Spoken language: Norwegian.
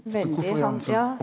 veldig han ja.